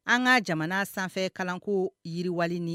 An ka jamana sanfɛ kalanko yiriwale